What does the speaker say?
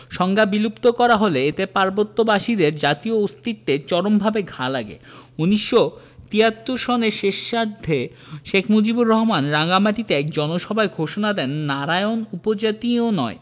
সংজ্ঞা বিলুপ্ত করা হলে এতে পার্বত্যবাসীদের জাতীয় অস্তিত্বে চরমভাবে ঘা লাগে ১৯৭৩ সনের শেষার্ধে শেখ মুজিবুর রহমান রাঙামাটিতে এক জনসভায় ঘোষণা দেন নারায়ণ উপজাতীয় নয়